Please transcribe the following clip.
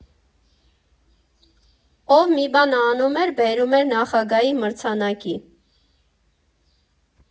Ով մի բան անում էր, բերում էր նախագահի մրցանակի։